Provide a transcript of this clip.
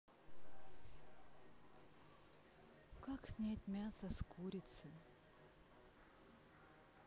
снять мясо с курицы